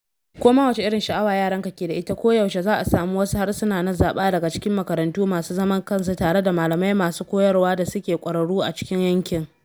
Ko ma wace irin sha’awa yaranka ke da ita, koyaushe za a sami wasu harsuna na zaba daga cikin makarantu masu zaman kansu, tare da malamai masu koyarwa da suke kwararru a cikin yankin.